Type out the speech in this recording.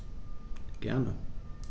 Gerne.